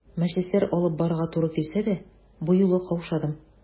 Мәҗлесләр алып барырга туры килсә дә, бу юлы каушадым.